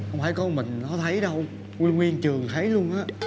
không phải có mình nó thấy đâu nguyên nguyên trường thấy luôn ớ